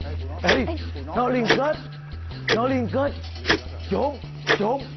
ê nó liên kết nó liên kết trốn trôn